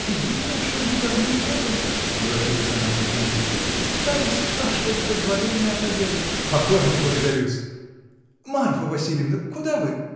И видно, что вы давно не были, — обратилась она к Викентьеву, — стали спрашивать позволения отобедать! — Покорно благодарю-с!. Марфа Васильевна! куда вы?